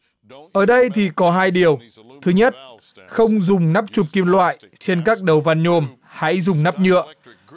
ở đây thì có hai điều thứ nhất không dùng nắp chụp kim loại trên các đầu van nhôm hãy dùng nắp nhựa